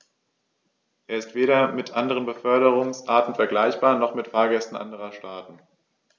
Er ist weder mit anderen Beförderungsarten vergleichbar, noch mit Fahrgästen anderer Staaten.